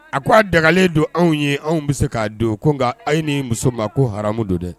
A k' a dagalen don anw ye anw bɛ se k'a don ko nka a ni muso ma ko hami don dɛ